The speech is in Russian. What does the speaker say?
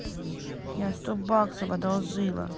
я сто баксов одолжила